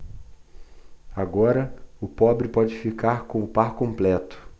agora o pobre pode ficar com o par completo